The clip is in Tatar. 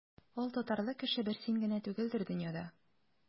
Алтатарлы кеше бер син генә түгелдер дөньяда.